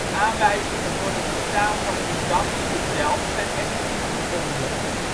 Aanwijzingen voor het bestaan van een dam in de Delf zijn echter niet gevonden